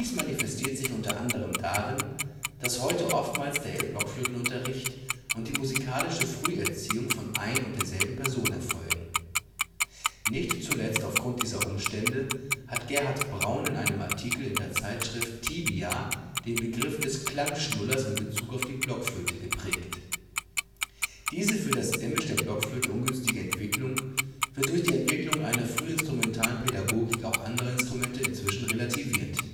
manifestiert sich unter anderem darin, dass heute oftmals der erste Blockflötenunterricht und die Musikalische Früherziehung von ein und der selben Person erfolgen. Nicht zuletzt aufgrund dieser Umstände hat Gerhard Braun in einem Artikel in der Zeitschrift TIBIA den Begriff des ' Klangschnullers ' in Bezug auf die Blockflöte geprägt. Diese für das Image der Blockflöte ungünstige Entwicklung wird durch die Entwicklung einer frühinstrumentalen Pädagogik auch anderer Instrumente inzwischen relativiert